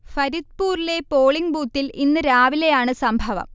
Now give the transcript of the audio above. ഫരിദ്പൂറിലെ polling ബൂത്തിൽ ഇന്ന് രാവിലെയാണ് സംഭവം